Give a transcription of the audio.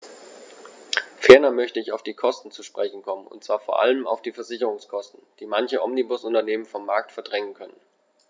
Ferner möchte ich auf die Kosten zu sprechen kommen, und zwar vor allem auf die Versicherungskosten, die manche Omnibusunternehmen vom Markt verdrängen könnten.